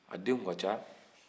a denw tun ka ca